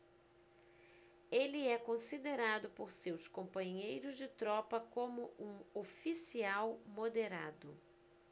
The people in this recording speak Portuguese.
ele é considerado por seus companheiros de tropa como um oficial moderado